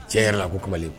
Tiɲɛ yɛrɛ la ko kumalen